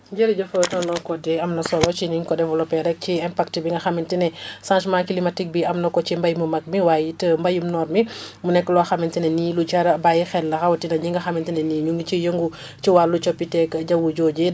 jërëjëf tonton Code am na solo ci ni nga ko développé rek ci impact bi nga xamante ne changemen climatique bi am na ko ci mbéy mu mag mi waaye it mbéyum noor mi mu nekk loo xamante ne nii lu jar a bàyyi xel la rawatina ñi nga xamante ne nii ñu ngi ci yëngu ci wàllu coppiteg jaww joojee